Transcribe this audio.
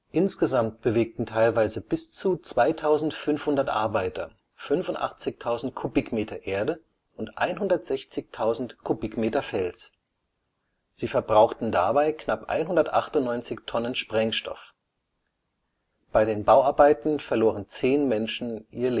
Insgesamt bewegten teilweise bis zu 2500 Arbeiter 85.000 Kubikmeter Erde und 160.000 Kubikmeter Fels. Sie verbrauchten dabei knapp 198 Tonnen Sprengstoff. Bei den Bauarbeiten verloren zehn Menschen ihr